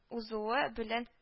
Узуе белән